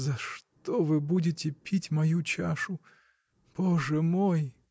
За что вы будете пить мою чашу? Боже мой!